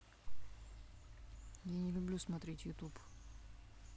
я не люблю смотреть youtube